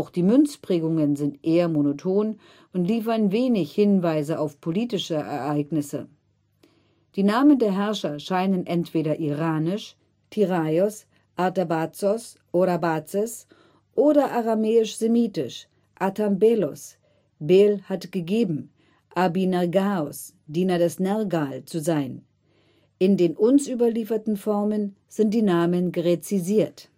die Münzprägungen sind eher monoton und liefern wenig Hinweise auf politische Ereignisse. Die Namen der Herrscher scheinen entweder iranisch (Tiraios, Artabazos, Orabazes) oder aramäisch/semitisch (Attambelos – Bel hat gegeben; Abinergaos – Diener des Nergal) zu sein. In den uns überlieferten Formen, sind die Namen gräzisiert